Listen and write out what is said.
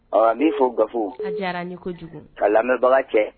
A b'i fo gago diyara kojugu ka lamɛnbaga cɛ